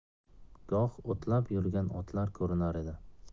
goh o'tlab yurgan otlar ko'rinar edi